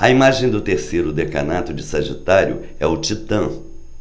a imagem do terceiro decanato de sagitário é o titã